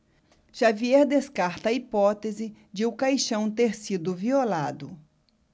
xavier descarta a hipótese de o caixão ter sido violado